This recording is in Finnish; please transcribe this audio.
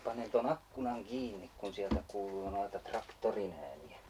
jos panen tuon ikkunan kiinni kun sieltä kuuluu noita traktorin ääniä